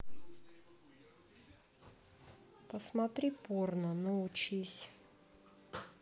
посмотри порно научись